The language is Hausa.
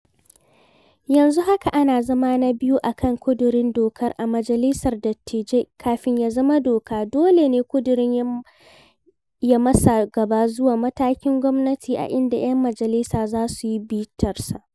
Yanzu haka ana zama na biyu a kan ƙudurin dokar a Majalisar Dattijai. Kafin ya zama doka, dole ne ƙudurin ya matsa gaba zuwa matakin kwamiti a inda 'yan majalisa za su yi bitarsa.